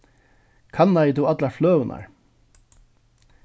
kannaði tú allar fløgurnar